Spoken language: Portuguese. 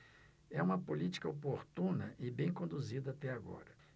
é uma política oportuna e bem conduzida até agora